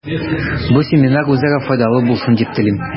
Бу семинар үзара файдалы булсын дип телим.